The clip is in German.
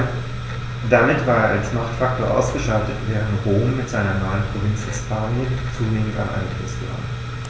Damit war es als Machtfaktor ausgeschaltet, während Rom mit seiner neuen Provinz Hispanien zunehmend an Einfluss gewann.